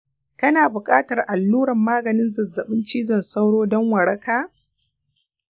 kana buƙatar alluran maganin zazzabin cizon sauro don waraka